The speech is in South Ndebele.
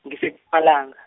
-ngise -alanga.